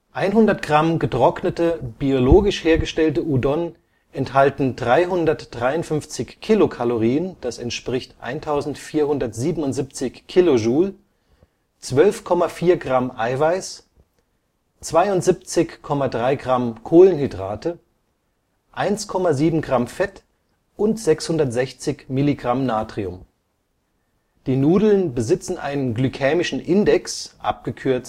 100 g getrocknete, biologisch hergestellte Udon enthalten 353 kcal (1477 kJ), 12,4 g Eiweiß, 72,3 g Kohlenhydrate, 1,7 g Fett und 660 mg Natrium. Die Nudeln besitzen einen Glykämischen Index (GI